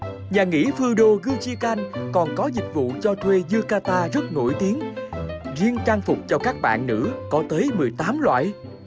nhà nghỉ hưu đô cưu chi can còn có dịch vụ cho thuê như ca ta rất nổi tiếng riêng trang phục cho các bạn nữ có tới mười tám loại